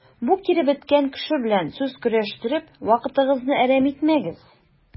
Бу киребеткән кеше белән сүз көрәштереп вакытыгызны әрәм итмәгез.